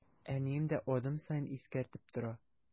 Әнием дә адым саен искәртеп тора.